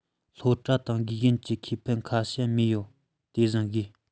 སློབ གྲྭ དང དགེ རྒན གྱི ཁེ ཕན ཁ ཤས རྨས ཡོང དེ བཞིན དགོས